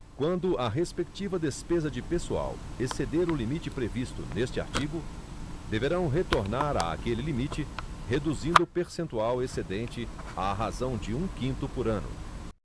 quando a respectiva despesa de pessoal exceder o limite previsto neste artigo deverão retornar a aquele limite reduzindo o percentual excedente à razão de um quinto por ano